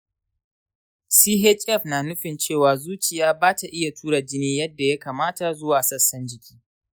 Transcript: chf na nufin cewa zuciya ba ta iya tura jini yadda ya kamata zuwa sassan jiki.